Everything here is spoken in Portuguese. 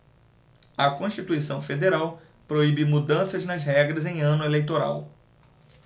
a constituição federal proíbe mudanças nas regras em ano eleitoral